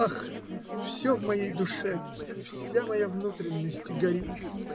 Ах, все в моей душе, вся моя внутренность горит.